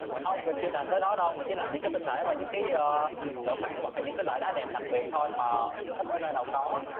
không mình chưa đạt tới đó đâu mình chỉ làm những cái tinh thể mà những cái a loại khoáng vật những cái loại đá đẹp đặc biệt thôi mà ít ở nơi nào có